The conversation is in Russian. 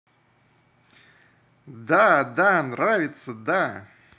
да да нравится да